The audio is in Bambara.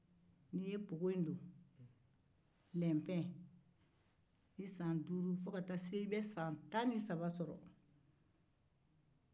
i bɛ npogo in don i san duuru fo ka se i san tan ni saba ma